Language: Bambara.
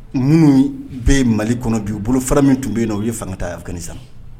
Minnu bɛ mali kɔnɔ dugu u bolo fara min tun bɛ yen na u ye fanga ta sa